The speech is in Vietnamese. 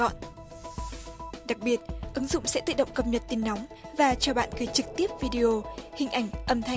gọn đặc biệt ứng dụng sẽ tự động cập nhật tin nóng và cho bạn khi trực tiếp vi đê ô hình ảnh âm thanh